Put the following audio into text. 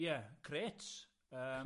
Ie, crêts, yym.